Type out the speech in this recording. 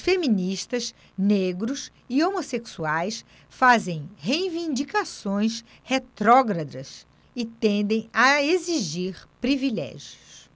feministas negros e homossexuais fazem reivindicações retrógradas e tendem a exigir privilégios